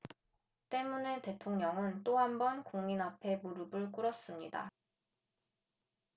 때문에 대통령은 또 한 번 국민 앞에 무릎을 꿇었습니다